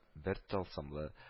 Бер тылсымлы